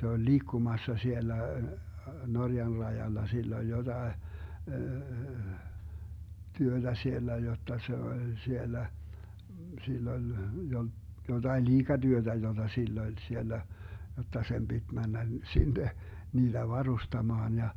se oli liikkumassa siellä Norjan rajalla sillä oli jotakin työtä siellä jotta se oli siellä sillä oli jotakin liikatyötä jota sillä oli siellä jotta sen piti mennä sinne niitä varustamaan ja